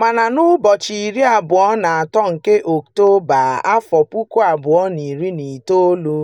Mana n'ụbọchị 23 nke Ọktoba, 2019,